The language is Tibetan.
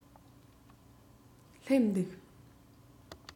སླེབས འདུག